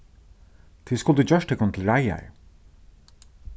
tit skuldu gjørt tykkum til reiðar